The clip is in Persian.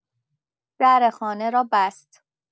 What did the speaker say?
در خانه را بست.